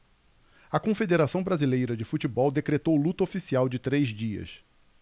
a confederação brasileira de futebol decretou luto oficial de três dias